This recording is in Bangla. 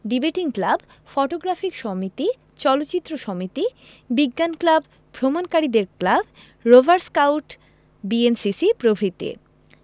ডিবেটিং ক্লাব ফটোগ্রাফিক সমিতি চলচ্চিত্র সমিতি বিজ্ঞান ক্লাব ভ্রমণকারীদের club rover scout club BNCC প্রভৃতি